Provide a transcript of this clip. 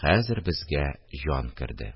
Хәзер безгә җан керде